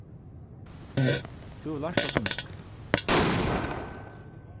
tú hevur lært okkum nógv